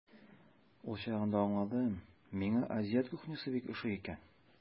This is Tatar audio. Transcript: Ул чагында аңладым, миңа азиат кухнясы бик ошый икән.